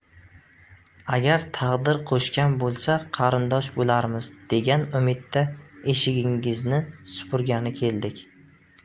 agar taqdir qo'shgan bo'lsa qarindosh bo'larmiz degan umidda eshigingizni supurgani keldik